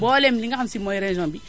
mbooleem li nga xam si mooy région bi